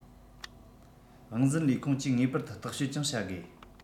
དབང འཛིན ལས ཁུངས ཀྱིས ངེས པར དུ བརྟག དཔྱད ཀྱང བྱ དགོས